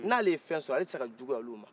nin ale fɛ sorɔ ale tɛ se ka jukaya ulu ma